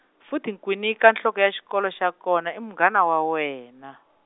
futhi Nkwinika nhloko ya xikolo xa kona i munghana wa wena .